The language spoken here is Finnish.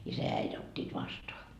isä ja äiti ottivat vastaan